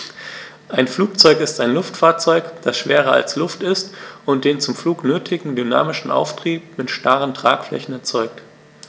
Ein Flugzeug ist ein Luftfahrzeug, das schwerer als Luft ist und den zum Flug nötigen dynamischen Auftrieb mit starren Tragflächen erzeugt.